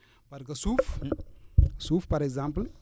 parce que suuf suuf par exemple